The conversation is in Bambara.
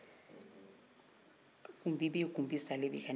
kunbi bɛ yen kunbi salen bɛ yen ka nin bɛɛ kɛ ka na segu jamanaw kan